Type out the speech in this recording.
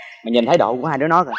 mày nhìn thái độ của hai đứa nó kìa